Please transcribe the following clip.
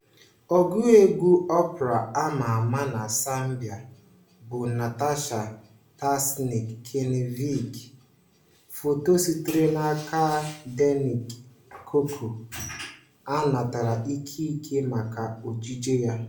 Ọgụ egwu opera a ma ama na Serbia bụ Nataša Tasić Knežević, foto sitere n'aka Dzenet Koko, a natara ikike maka ojiji ya.